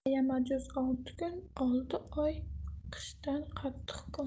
ayamajuz olti kun olti oy qishdan qattiq kun